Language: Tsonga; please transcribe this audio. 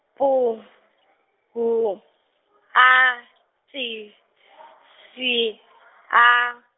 P HU A TI SI A.